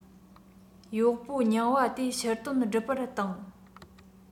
གཡོག པོ རྙིང པ དེ ཕྱིར དོན སྒྲུབ པར བཏང